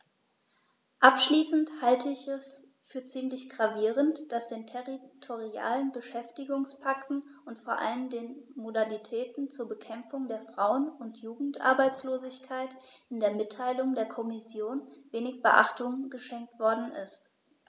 Abschließend halte ich es für ziemlich gravierend, dass den territorialen Beschäftigungspakten und vor allem den Modalitäten zur Bekämpfung der Frauen- und Jugendarbeitslosigkeit in der Mitteilung der Kommission wenig Beachtung geschenkt worden ist.